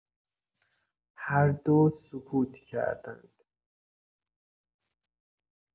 هر دو سکوت کردند.